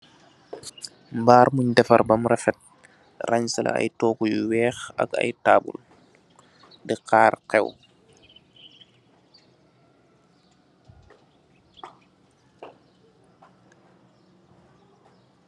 Mbarr muñ defarr bam rafet , ransileh ay tohgu yu wèèx ak ay tabul di xar xew.